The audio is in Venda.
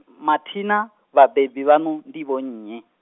mathina, vhabebi vhaṋu, ndi vho nnyi?